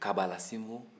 kabalasinbon